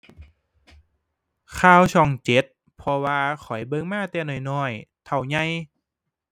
ข่าวช่องเจ็ด เพราะว่าข้อยเบิ่งมาแต่น้อยน้อยเท่าใหญ่